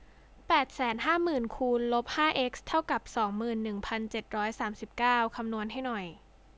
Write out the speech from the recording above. แปดแสนห้าหมื่นคูณลบห้าเอ็กซ์เท่ากับสองหมื่นหนึ่งพันเจ็ดร้อยสามสิบเก้าคำนวณให้หน่อย